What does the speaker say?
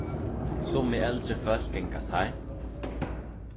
summi eldri fólk ganga seint